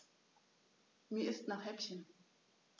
Mir ist nach Häppchen.